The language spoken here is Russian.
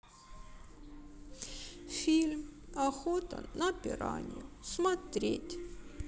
фильм охота на пиранью смотреть